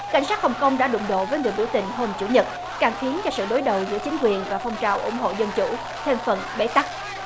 cảnh sát hồng công đã đụng độ với người biểu tình hôm chủ nhật càng khiến cho sự đối đầu giữa chính quyền và phong trào ủng hộ dân chủ thêm phần bế tắc